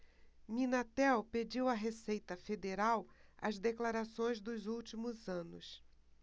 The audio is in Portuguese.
minatel pediu à receita federal as declarações dos últimos anos